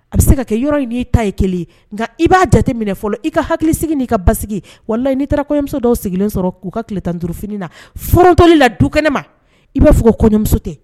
A bɛ se ka kɛ yɔrɔ in ɲini'i ta ye kelen ye nka i b'a jate minɛ fɔlɔ i ka hakili sigi n'i ka basi wala n'i taara kɔɲɔmuso dɔw sigilen sɔrɔ k'u ka ki tan duuruuruf na ftɔli la du kɛnɛ ma i b'a fɔ ko kɔɲɔmuso tɛ